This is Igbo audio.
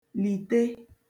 lìte